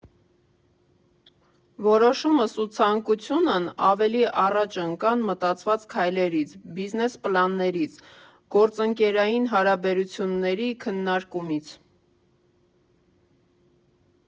Որոշումն ու ցանկությունն ավելի առաջ ընկան մտածված քայլերից, բիզնես պլաններից, գործընկերային հարաբերությունների քննարկումից։